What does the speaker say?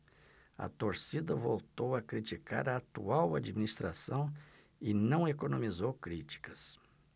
a torcida voltou a criticar a atual administração e não economizou críticas